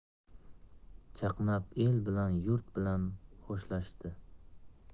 chaqnab el bilan yurt bilan xo'shlashdi